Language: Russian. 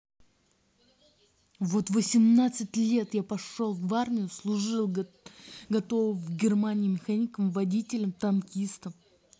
вот восемнадцать лет я пошел в армию служил готового в германии механиком водителем танкистом